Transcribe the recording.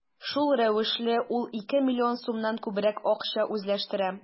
Шул рәвешле ул ике миллион сумнан күбрәк акча үзләштерә.